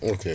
ok